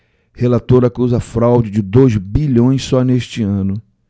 relator acusa fraude de dois bilhões só neste ano